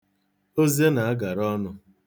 Oze na-agara ọnụ.